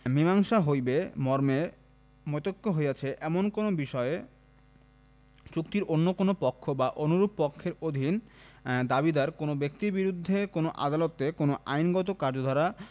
মীসাংসা হইবে মর্মে মতৈক্য হইয়াছে এমন কোন বিষয়ে চুক্তির অন্য কোন পক্ষ বা অনুরূপ পক্ষের অধীন দাবিীদার কোন ব্যক্তির বিরুদ্ধে কোন আদালতে কোন আইনগত কার্যধারা